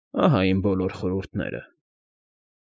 Ահա իմ բոլոր խորհուրդները։